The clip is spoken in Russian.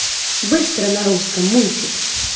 быстро на русском мультик